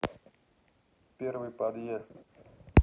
первый подъезд